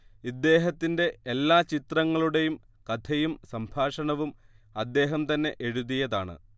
ഇദ്ദേഹത്തിന്റെ എല്ലാ ചിത്രങ്ങളുടെയും കഥയും സംഭാഷണവും അദ്ദേഹംതന്നെ എഴുതിയതാണ്